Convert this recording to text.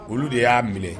Olu de y'a minɛ